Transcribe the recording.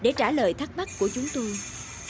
để trả lời thắc mắc của chúng tôi